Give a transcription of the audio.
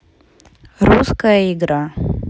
русская игра